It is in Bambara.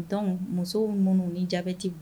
Dɔn musow minnu ni jaabiti